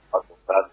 A taa